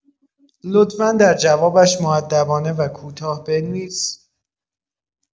لطفا در جوابش مؤدبانه و کوتاه بنویس